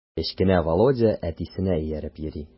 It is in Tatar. Кечкенә Володя әтисенә ияреп йөри.